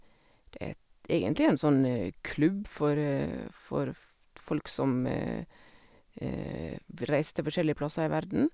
Et egentlig en sånn klubb for for ft folk som v reiser til forskjellige plasser i verden.